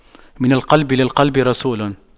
من القلب للقلب رسول